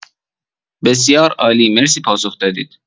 بسیار عالی، مرسی پاسخ دادید!